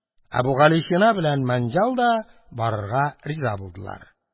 Әбүгалисина белән Мәнҗаль дә барырга риза булдылар.